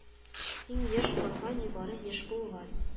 Иң яшь парга нибары яшь булган